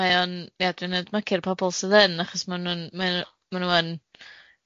Mae o'n iadwi'n edmygu'r pobol sydd yn achos ma' nw'n mae o ma' nhw yn.